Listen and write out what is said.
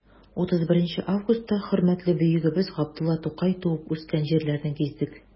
31 августта хөрмәтле бөегебез габдулла тукай туып үскән җирләрне гиздек.